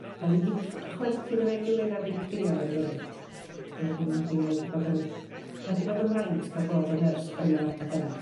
'Dan ni 'di c- chwerthin efo'u gilydd a 'di crio efo'n gilydd. Wedyn ydi mae 'di bod yn mae 'di bod yn fraint ca'l bod yn nyrs yn yr adag yna.